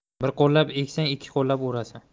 bir qo'llab eksang ikki qo'llab o'rasan